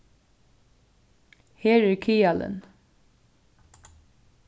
her er kaðalin